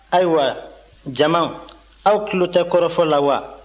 ayiwa jama aw tulo tɛ kɔrɔfɔ la wa